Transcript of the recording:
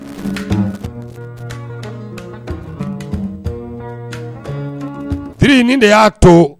Siriini de y'a to